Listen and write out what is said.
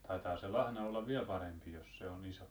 taitaa se lahna olla vielä parempi jos se on iso